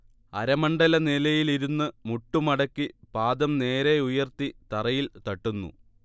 അരമണ്ഡല നിലയിലിരുന്ന് മുട്ട് മടക്കി പാദം നേരെ ഉയർത്തി തറയിൽ തട്ടുന്നു